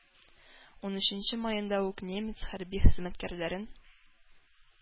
Унөченче маенда ук немец хәрби хезмәткәрләрен